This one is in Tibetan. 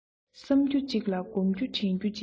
བསམ རྒྱུ གཅིག ལ བསྒོམ རྒྱུ དྲན རྒྱུ གཅིག